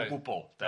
O gwbl 'de.